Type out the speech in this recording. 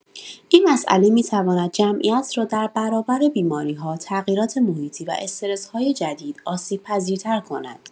این مسئله می‌تواند جمعیت را در برابر بیماری‌ها، تغییرات محیطی و استرس‌های جدید آسیب‌پذیرتر کند.